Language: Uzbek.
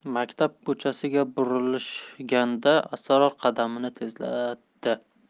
maktab ko'chasiga burilishganda asror qadamini tezlatdi